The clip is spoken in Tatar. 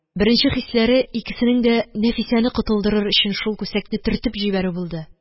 Беренче хисләре икесенең дә Нәфисәне котылдырыр өчен шул күсәкне төртеп җибәрү булды